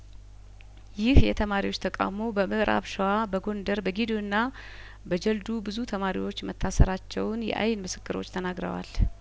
ይህ የተማሪዎች ተቃውሞ በምእራብ ሸዋ በጉደር በጌዶና በጀልዱ ብዙ ተማሪዎች መታሰራቸውን የአይን ምስክሮች ተናግረዋል